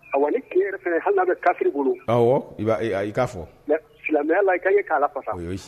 Wa tile yɛrɛ hali n'a bɛ kasiriri bolo i k'a fɔ silamɛyala' ka ɲɛ k'